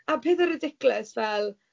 A pethe ridiculous fel...